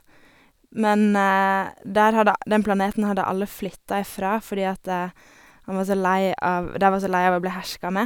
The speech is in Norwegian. Men der hadde den planeten hadde alle flytta ifra fordi at han var så lei av De var så lei av å bli herska med.